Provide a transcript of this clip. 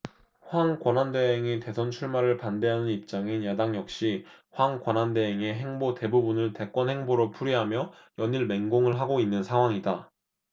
황 권한대행의 대선 출마를 반대하는 입장인 야당 역시 황 권한대행의 행보 대부분을 대권행보로 풀이하며 연일 맹공을 하고 있는 상황이다